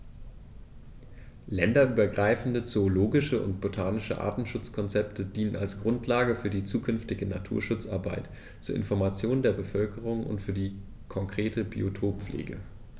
Länderübergreifende zoologische und botanische Artenschutzkonzepte dienen als Grundlage für die zukünftige Naturschutzarbeit, zur Information der Bevölkerung und für die konkrete Biotoppflege.